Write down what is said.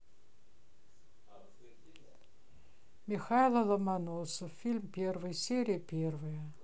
михайло ломоносов фильм первый серия первая